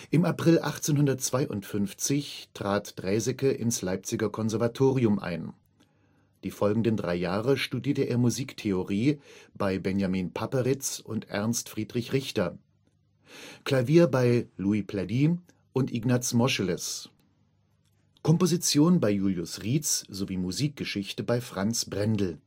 Im April 1852 trat Draeseke ins Leipziger Konservatorium ein. Die folgenden drei Jahre studierte er Musiktheorie bei Benjamin Papperitz und Ernst Friedrich Richter, Klavier bei Louis Plaidy und Ignaz Moscheles, Komposition bei Julius Rietz sowie Musikgeschichte bei Franz Brendel